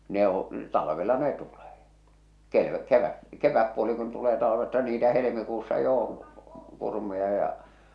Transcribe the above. ne on talvella ne tulee -- kevätpuoli kun tulee talvesta niitä helmikuussa jo on kurmuja ja